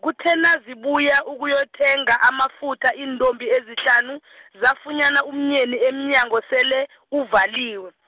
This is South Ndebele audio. kuthe nazibuya ukuyokuthenga amafutha iintombi ezihlanu, zafunyana umyeni umnyango sele, uvaliwe.